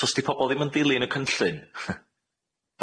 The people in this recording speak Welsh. So os di pobol ddim yn dilyn y cynllun,